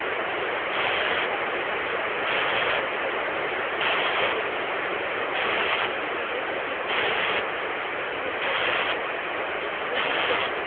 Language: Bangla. সমর্থক এবং তাঁকে এই বাস্তবতার মুখোমুখি হতে হয় যে এটি জিতবে না তিনি বিনয়ের সঙ্গে এটা স্বীকার করে নেন তিনি মুখ ভার করেননি ম্যান্ডেলা যখন